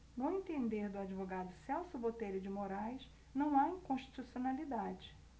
no entender do advogado celso botelho de moraes não há inconstitucionalidade